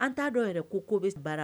An t'a dɔw yɛrɛ ko bɛ bara